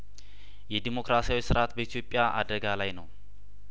የዲሞክራሲያዊ ስርአት በኢትዮጵያ አደጋ ላይ ነው